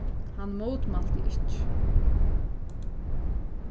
hann mótmælti ikki